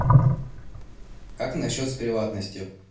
как насчет с приватностью